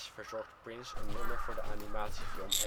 verzorgt Prince een nummer voor de animatiefilm